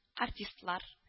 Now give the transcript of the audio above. Артистлар